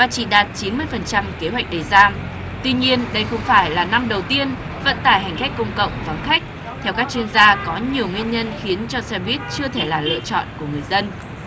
và chỉ đạt chín mươi phần trăm kế hoạch để ra tuy nhiên đây không phải là năm đầu tiên vận tải hành khách công cộng vắng khách theo các chuyên gia có nhiều nguyên nhân khiến cho xe buýt chưa thể là lựa chọn của người dân